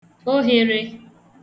ogherē